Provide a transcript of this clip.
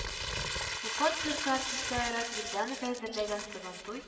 Уфа циркы артисты Айрат Вилданов әзерләгән Сабантуй